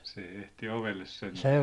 se ehti ovelle sentään